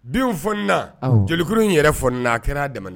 Bin fɔna jelikuru in yɛrɛ fɔ n na a kɛra a damada